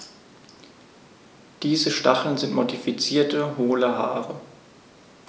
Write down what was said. Diese Stacheln sind modifizierte, hohle Haare.